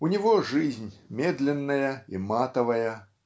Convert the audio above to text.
У него - жизнь медленная и матовая.